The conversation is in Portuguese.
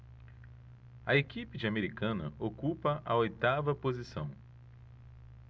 a equipe de americana ocupa a oitava posição